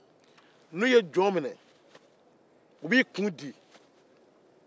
n'u ye jɔn mine u b'i kun di